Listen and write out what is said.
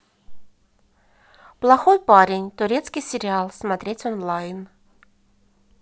плохой парень турецкий сериал смотреть онлайн